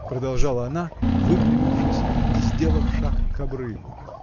— продолжала она, выпрямившись и сделав шаг к обрыву.